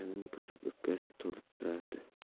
ko'rib o'pkasi to'lib turardi